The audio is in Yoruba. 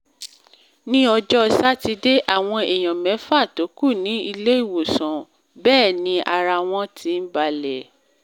Ní ọjọ́ Satidé, àwọn èèyàn mẹ́fà tó kù ní ilé-ìwòsàn. Bẹ́ẹ̀ ni ara wọn tí n balẹ̀.